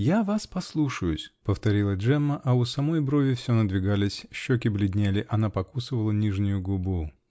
-- Я вас послушаюсь, -- повторила Джемма, а у самой брови все надвигались, щеки бледнели она покусывала нижнюю губу.